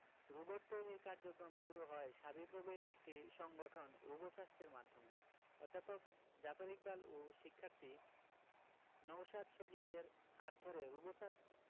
robot তৈরির কার্যক্রম শুরু হয় শাবিপ্রবির একটি সংগঠন রোবোসাস্টের মাধ্যমে অধ্যাপক জাফর ইকবাল ও শিক্ষার্থী নওশাদ সজীবের হাত ধরে রোবোসাস্ট